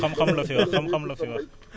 xam-xam la fi wax xam-xam la fi wax